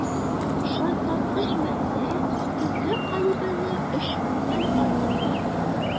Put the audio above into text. Шартлаткыч матдә, төрле калибрлы 3 меңнән артык патрон.